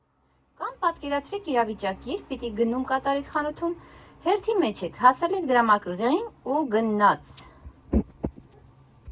Կամ պատկերացրեք իրավիճակ, երբ պիտի գնում կատարեք խանութում, հերթի մեջ եք, հասել եք դրամարկղին ու գնա՜ց.